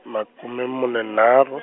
makume mune nharhu.